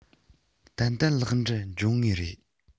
ཏན ཏན ལེགས འགྲུབ འབྱུང ངེས རེད